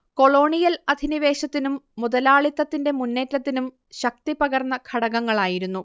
colonial അധിനിവേശത്തിനും മുതലാളിത്തത്തിന്റെ മുന്നേറ്റത്തിനും ശക്തി പകർന്ന ഘടകങ്ങളായിരുന്നു